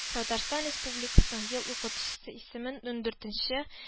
Татарстан Республикасының Ел укытучысы исемен ундуртенче